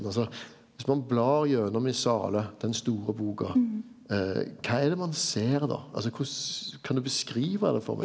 altså viss ein blar gjennom Missale den store boka kva er det ein ser då altså korleis kan du beskriva det for meg?